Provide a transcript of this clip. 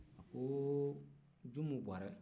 a ko jumu buwarɛ